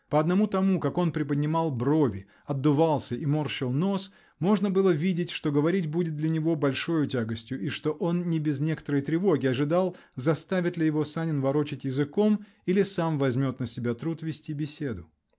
По одному тому, как он приподнимал брови, отдувался и морщил нос, можно было видеть, что говорить будет для него большою тягостью и что он не без некоторой тревоги ожидал, заставит ли его Санин ворочать языком или сам возьмет на себя труд вести беседу ?